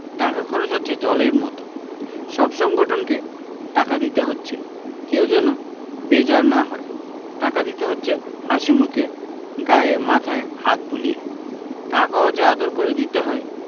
টাকা খরচ হচ্ছে জলের মত সব সংগঠনকে টাকা দিতে হচ্ছে কেউ যেন বেজার না হয় টাকা দিতে হচ্ছে হাসিমুখে গায়ে মাথায় হাত বুলিয়ে টাকাও যে আদর করে দিতে হয়